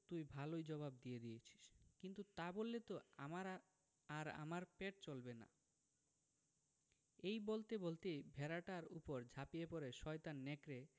তুই ভালই জবাব দিয়ে দিয়েছিস কিন্তু তা বললে তো আমার আর আর আমার পেট চলবে না এই বলতে বলতেই ভেড়াটার উপর ঝাঁপিয়ে পড়ে শয়তান নেকড়ে